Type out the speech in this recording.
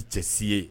I cɛ si ye